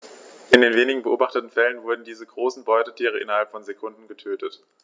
In den wenigen beobachteten Fällen wurden diese großen Beutetiere innerhalb von Sekunden getötet.